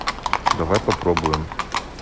давай попробуем